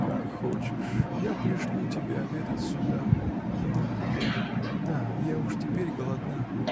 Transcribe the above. — Как хочешь: я пришлю тебе обедать сюда. — Да. да. я уж теперь голодна.